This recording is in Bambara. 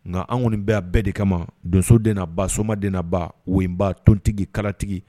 Ŋa an ŋɔni bɛ yan bɛɛ de kama donso den n'a ba soma den n'a ba woyinba tontigi kalatigi